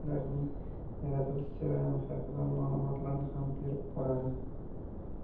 suratlarining yaratilish jarayoni haqidagi ma'lumotlarni ham berib boradi